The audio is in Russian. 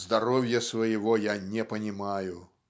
"Здоровья своего я не понимаю".